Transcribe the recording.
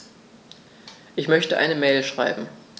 Ich möchte eine Mail schreiben.